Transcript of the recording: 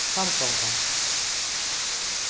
samgonga